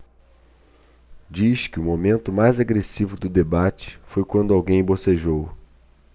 diz que o momento mais agressivo do debate foi quando alguém bocejou